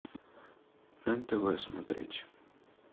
нтв смотреть